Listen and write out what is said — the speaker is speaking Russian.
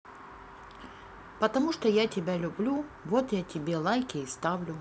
потому что я тебя люблю вот я тебе лайки ставлю